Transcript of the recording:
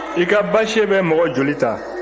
i ka base bɛ mɔgɔ joli ta